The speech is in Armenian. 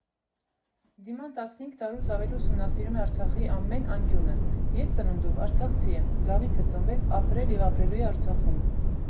Դիման տասնհինգ տարուց ավելի ուսումնասիրում է Արցախի ամեն անկյունը, ես ծնունդով Արցախից եմ, Դավիթը ծնվել, ապրել և ապրելու է Արցախում։